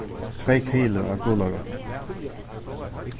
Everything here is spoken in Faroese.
tvey kilo av gularótum